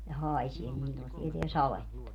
ja haisee niin silloin se tietää sadetta